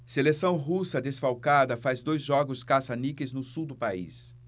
seleção russa desfalcada faz dois jogos caça-níqueis no sul do país